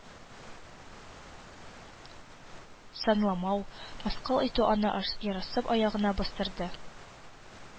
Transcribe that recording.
Санламау, мыскыл итү аны ярсып аягына бастырды